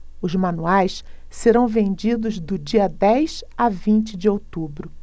os manuais serão vendidos do dia dez a vinte de outubro